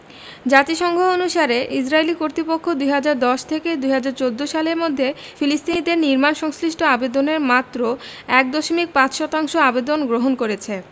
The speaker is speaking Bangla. জাতিসংঘ অনুসারে ইসরাইলি কর্তৃপক্ষ ২০১০ থেকে ২০১৪ সালের মধ্যে ফিলিস্তিনিদের নির্মাণ সংশ্লিষ্ট আবেদনের মাত্র ১.৫ শতাংশ আবেদন গ্রহণ করেছে